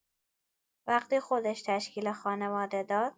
وقتی خودش تشکیل خانواده داد.